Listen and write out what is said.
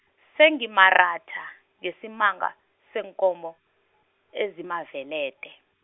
sengimaratha ngesimanga, seenkomo, ezimavelede.